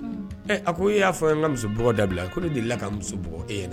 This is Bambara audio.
Ɛ a ko i y'a fɔ n ka musoɔgɔ dabila a ko ne de la ka muso e ye na